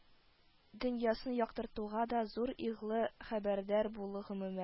Дөньясын яктыртуга да зур игълы хәбәрдар булу, гом